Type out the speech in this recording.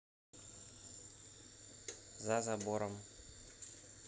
за забором